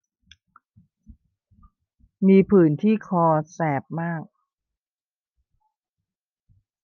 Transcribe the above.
มีผื่นที่คอแสบมาก